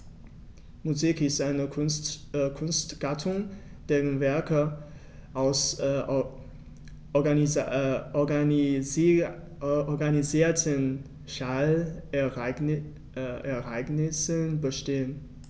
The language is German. Musik ist eine Kunstgattung, deren Werke aus organisierten Schallereignissen bestehen.